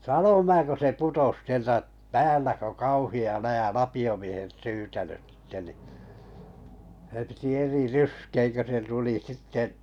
sanon minä kun se putosi sieltä päällä kun kauhea läjä lapiomiehet syytänyt sitten niin se piti eri ryskeen kun se tuli sitten